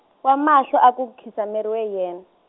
wa mahlo a ku nkhinsameriwa yen-.